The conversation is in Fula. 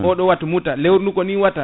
ko oɗo wattu mutta lewru ndu koni watta